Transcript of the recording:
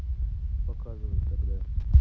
показывай тогда